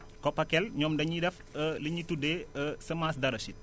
COPACEL ñoom dañuy def li ñu tuddee semences d' arachide